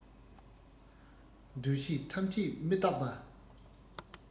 འདུས བྱས ཐམས ཅད མི རྟག པ